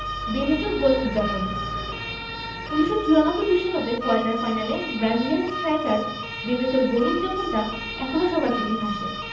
বেবেতোর গোল উদ্ যাপন ১৯৯৪ বিশ্বকাপে কোয়ার্টার ফাইনালে ব্রাজিলিয়ান স্ট্রাইকার বেবেতোর গোল উদ্ যাপনটা এখনো সবার চোখে ভাসে